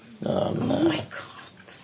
O na... Oh my God!